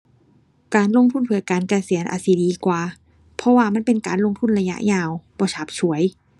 การลงทุนเพื่อการเกษียณอาจสิดีกว่า เพราะว่ามันเป็นการลงทุนระยะยาว บ่ฉาบฉวย